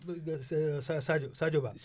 sa sa Sadio Sadio Ba